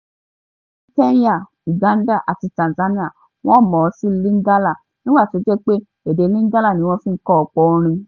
Ní Kenya, Uganda, àti Tanzania wọ́n mọ̀ ọ́ sí Lingala nígbà tí ó jẹ́ pé èdè Lingala ní wọ́n fi ń kọ ọ̀pọ̀ orin.